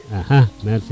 axa merci